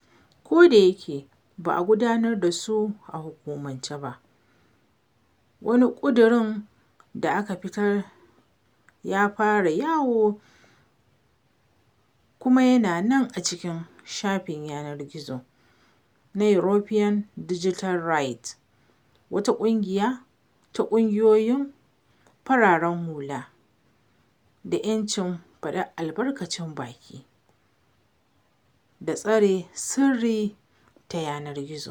Ko da yake ba a gabatar da su a hukumance ba, wani ƙudurin da aka fitar ya fara yawo kuma yana nan a cikin shafin yanar gizo na European Digital Rights, wata ƙungiya ta ƙungiyoyin fararen hula da 'yancin faɗar albarkacin baki da tsare sirri ta yanar gizo.